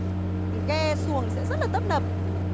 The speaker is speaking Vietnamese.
ghe xuồng sẽ rất là tấp nập